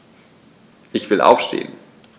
Ich will aufstehen.